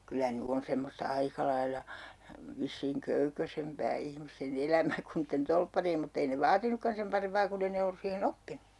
kyllä nyt on semmoista aika lailla vissiin köykäisempää ihmisten elämä kuin niiden torpparien mutta ei ne vaatinutkaan sen parempaa kun ei ne ollut siihen oppinut